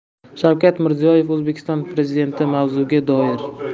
shavkat mirziyoyev o'zbekiston prezidentimavzuga doir